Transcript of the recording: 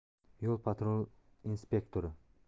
ypx inspektori